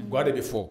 Ga de bɛ fɔ